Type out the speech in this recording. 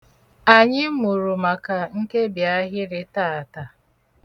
Anyị mụrụ maka nkebiahịrị taata.